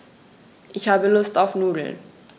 Ich habe Lust auf Nudeln.